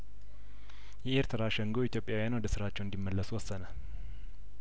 የኤርትራ ሸንጐ ኢትዮጵያዊያን ወደ ስራቸው እንዲመለሱ ወሰነ